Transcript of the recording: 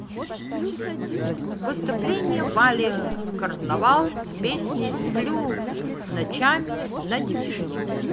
выступление вали карнавал с песней сплю ночами на девичнике